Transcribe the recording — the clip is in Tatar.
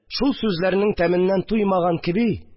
Шул сүзләрнең тәменнән туймаган кеби